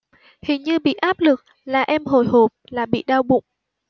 hình như bị áp lực là em hồi hộp là bị đau bụng